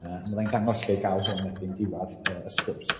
yy a fydda i'n dangos lle i gael hwn erbyn diwedd y sgwrs.